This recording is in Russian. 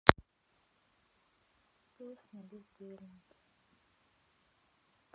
песня бездельники